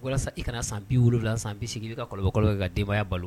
Walasa i kana san 70 san 80 i be ka kɔlɔbɛ-kɔlɔbɛ kɛ ka denbaya balo